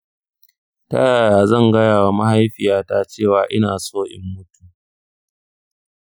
ta yaya zan gaya wa mahaifiyata cewa ina so in mutu?